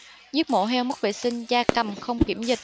giết mổ heo mất vệ sinh gia cầm không kiểm dịch